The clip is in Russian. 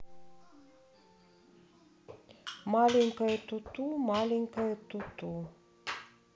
маленькая туту маленькая туту